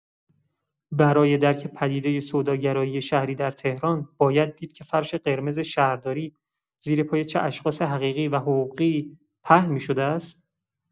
برای درک پدیدۀ سوداگرایی شهری در تهران باید دید که فرش قرمز شهرداری زیر پای چه اشخاص حقیقی و حقوقی‌ای پهن می‌شده است؟